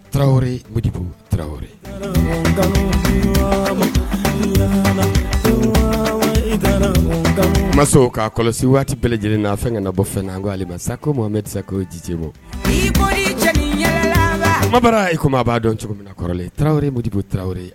Tarawelebu t ma ka kɔlɔsi waati bɛɛ lajɛlen n' a fɛn ka na bɔ fɛn ko a sa ko mɔgɔsa ko ji te bɔ i e ko maa b'a dɔn cogo min na kɔrɔ ye tarawele yebo tarawele ye